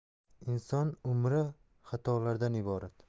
inson umri xatolardan iborat